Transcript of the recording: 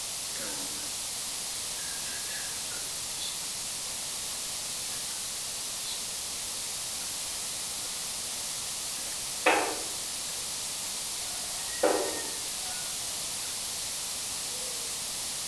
Waa boonbal madow waxaa ku jiray katiniyo dhigo oogu jiro oo dahab ah